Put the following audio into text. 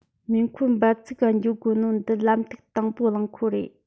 མེ འཁོར འབབ ཚིགས ག འགྱོ དགོ ནོ འདི ལམ ཐིག དང བོའི རླངས འཁོར རེད